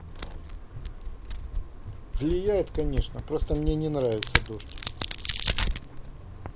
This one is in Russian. влияет конечно просто мне не нравится дождь